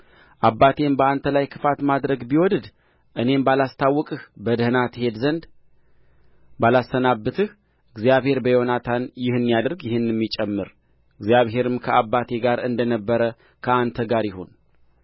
አባቴም በአንተ ላይ ክፋት ማድረግ ቢወድድ እኔም ባላስታውቅህ በደህና ትሄድ ዘንድ ባላሰናብትህ እግዚአብሔር በዮናታን ይህን ያድርግ ይህንም ይጨምር እግዚአብሔርም ከአባቴ ጋር እንደ ነበረ ከአንተ ጋር ይሁን